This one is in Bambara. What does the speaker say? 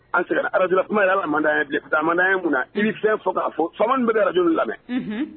An sera arazra kuma mun i bɛ fɛn fɔ k'a fɔ fa minnu bɛ araj lamɛn